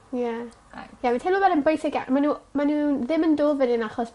Ie. Like... Ie fi'n credu bo' fe'n bwysig ma. n'w ma' n'w ddim yn dod fyn 'yn achos